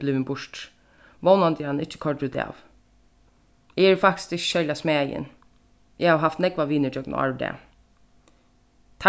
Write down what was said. blivin burtur vónandi er hann ikki koyrdur útav eg eri faktiskt ikki serliga smæðin eg havi havt nógvar vinir gjøgnum ár og dag